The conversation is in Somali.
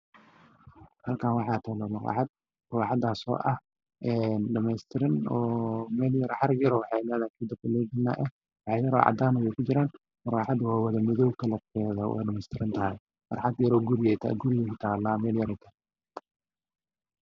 Halkaan waxaa taalo miraaxad muraaxadaas oo dhamays tiran xarig oo waxay leedahay kan dabka loogalinaayay wax yar oo cadaan ah ay ku jiraan murwaaxada kalar keeda waa wada madoow kalar keeda wayna dhamays tiran tahay meel guri ah ayay taalaa